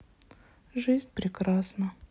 жизнь прекрасна